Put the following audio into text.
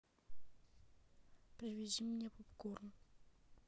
привези мне попкорн